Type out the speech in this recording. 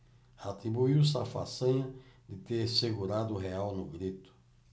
atribuiu-se a façanha de ter segurado o real no grito